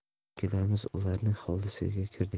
ikkalamiz ularning hovlisiga kirdik